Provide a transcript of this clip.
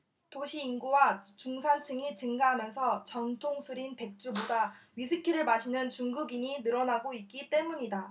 도시인구와 중산층이 증가하면서 전통술인 백주보다 위스키를 마시는 중국인이 늘어나고 있기 때문이다